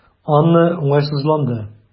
Анна уңайсызланды.